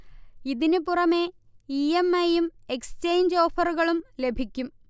ഇതിന് പുറമെ E. M. I. യും എക്സ്ചേഞ്ച് ഓഫറുകളും ലഭിക്കും